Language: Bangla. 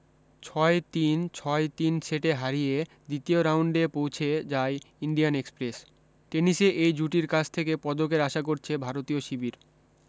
ছয় তিন ছয় তিন সেটে হারিয়ে দ্বিতীয় রাউন্ডে পৌঁছে যায় ইন্ডিয়ান এক্সপ্রেস টেনিসে এই জুটির কাছ থেকে পদকের আশা করছে ভারতীয় শিবির